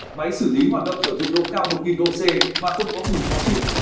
máy xử lý hoạt động ở nhiệt độ cao mà không có mùi khó chịu